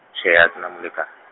tjhe ha ke na moleka.